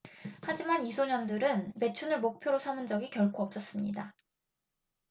하지만 이 소녀들은 매춘을 목표로 삼은 적이 결코 없었습니다